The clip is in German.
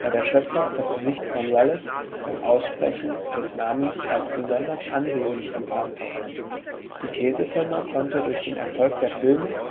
der Schöpfer das Gesicht von Wallace beim Aussprechen des Namens als besonders ansehnlich empfand. Die Käsefirma konnte durch den Erfolg der Filme